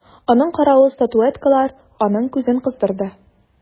Аның каравы статуэткалар аның күзен кыздырды.